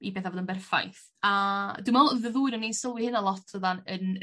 i betha fod yn berffaith a dwi me'wl sylwi hyna lot odda'n yn